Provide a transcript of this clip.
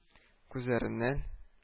Күзләреннән